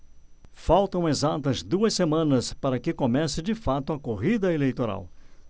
faltam exatas duas semanas para que comece de fato a corrida eleitoral